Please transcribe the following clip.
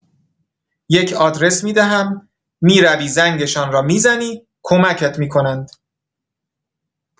یک آدرس می‌دهم، می‌روی زنگشان را می‌زنی، کمکت می‌کنند.